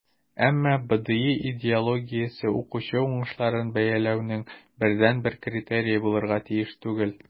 Әмма БДИ идеологиясе укучы уңышларын бәяләүнең бердәнбер критерие булырга тиеш түгел.